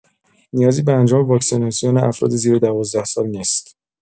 نیازی به انجام واکسیناسیون افراد زیر ۱۲ سال نیست.